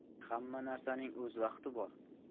hamma narsaning o'z vaqti bor